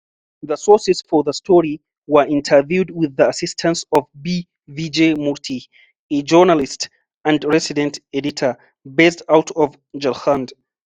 The sources for the story were interviewed with the assistance of B. Vijay Murty, a journalist and resident editor based out of Jharkhand.